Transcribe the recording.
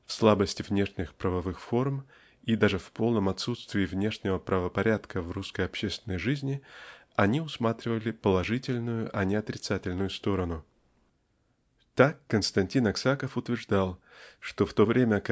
В слабости внешних правовых форм и даже в полном отсутствии внешнего правопорядка в русской общественной жизни они усматривали положительную а не отрицательную сторону. Так Константин Аксаков утверждал что в то время